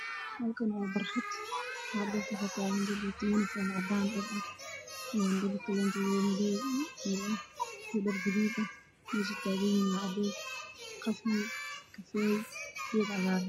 Waa garoon dad dhar cadaan ah